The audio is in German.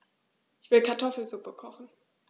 Ich will Kartoffelsuppe kochen.